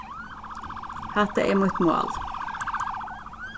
hatta er mítt mál